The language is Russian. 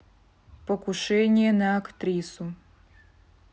покушение на актрису